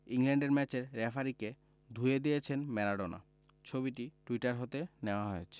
England ম্যাচের রেফারিকে ধুয়ে দিয়েছেন ম্যারাডোনা ছবিটি টুইটার হতে নেয়া হয়েছে